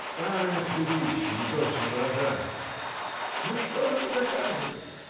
старая привычка неточно выражаться. Но что ж это доказывает?